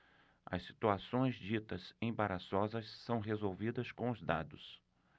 as situações ditas embaraçosas são resolvidas com os dados